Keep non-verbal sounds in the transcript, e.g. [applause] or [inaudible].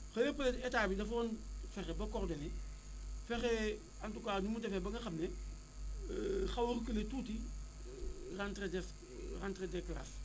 xëy na peut être état bi dafa waroon fexe ba coordonner fexe en tout cas nu mu defee ba nga xam ne [hesitation] wax a réculer tuuti [hesitation] rentrée des [hesitation] rentrée des classes